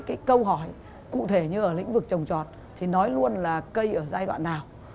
cái câu hỏi cụ thể như ở lĩnh vực trồng trọt thì nói luôn là cây ở giai đoạn nào